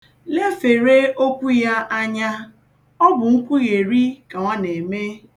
Lefere okwu ya anya, ọ bụ nkwugheri ka ọ na-eme.